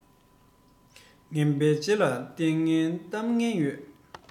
ངན པའི འབྲས བུ ངན པའི སྐེ ལ འཁྲིལ